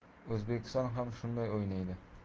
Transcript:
o'zbekiston ham shunday o'ynaydi